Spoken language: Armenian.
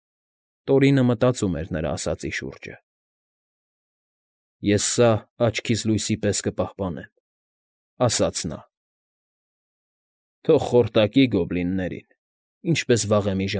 Տորինը մտածում էր նրա ասածի շուրջը։ ֊ Ես սա աչքիս լույսի պես կպահպանեմ,֊ ասաց նա։֊ Թող խորտակի գոբլիններին, ինչպես վաղեմի։